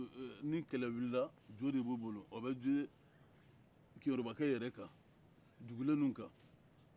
eee eee ni kɛlɛ wulila jo de b'u bolo o bɛ zuye keyorobakaw yɛrɛ kan dugulenw ninnu kan